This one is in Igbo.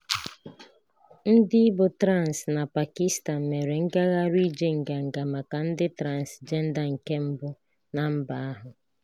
Ndị bụ traansị na Pakistan mere ngagharị ije Nganga maka Ndị Transịjenda nke mbụ na mba ahụ.